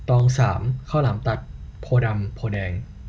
ตองสามข้าวหลามตัดโพธิ์ดำโพธิ์แดง